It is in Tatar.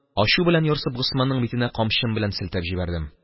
Ачу белән ярсып, Госманның битенә камчым белән селтәп җибәрдем.